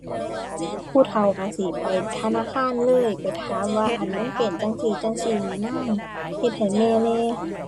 ผู้เฒ่าก็สิไปธนาคารเลย ไปถามว่า อั่น มันเป็นจั่งซี้จั่งซี้แหมนาง เฮ็ดให้แม่แหน่